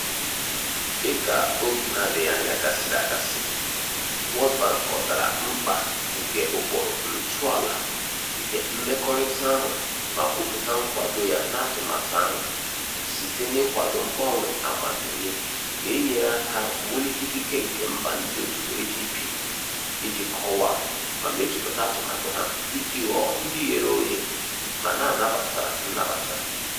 Dịka oge n'adịghị anya gasịrị, World Bank ghọtara mkpa nke ụkpụrụ ntọala nke Mmekọrịta ahụ ma kwupụta nkwado ya n'atụmatụ ahụ "site n'ịkwado mgbanwe amamihe na inyere aka wulite ikike nke mba ndịòtù OGP iji kọwaa ma mejupụta atụmatụ ha iji ghọọ ndị ghere oghe ma na-anabata nnabata."